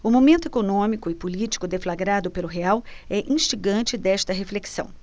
o momento econômico e político deflagrado pelo real é instigante desta reflexão